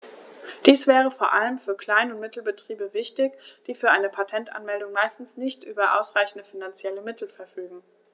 Dies wäre vor allem für Klein- und Mittelbetriebe wichtig, die für eine Patentanmeldung meistens nicht über ausreichende finanzielle Mittel verfügen.